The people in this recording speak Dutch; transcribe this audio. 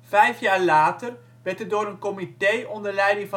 Vijf jaar later werd er door een comité onder leiding van